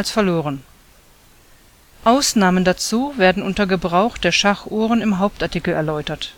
verloren; Ausnahmen dazu werden unter Gebrauch der Schachuhren im Hauptartikel erläutert